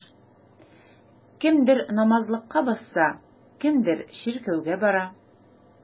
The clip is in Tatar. Кемдер намазлыкка басса, кемдер чиркәүгә бара.